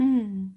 Hmm.